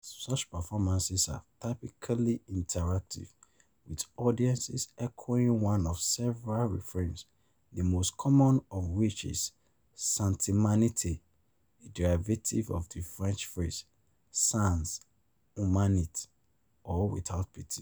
Such performances are typically interactive, with audiences echoing one of several refrains, the most common of which is "Santimanitay!", a derivative of the French phrase “sans humanité”, or “without pity”.